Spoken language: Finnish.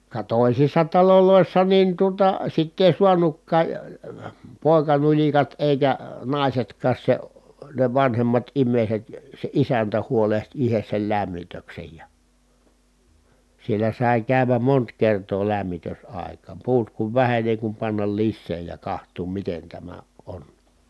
ka toisissa taloissa niin tuota sitä ei saanutkaan poikanulikat eikä naisetkaan se ne vanhemmat ihmiset se isäntä huolehti itse sen lämmityksen ja siellä sai käydä monta kertaa lämmitysaikaan puut kun väheni niin ei kun panna lisää ja katsoa miten tämä on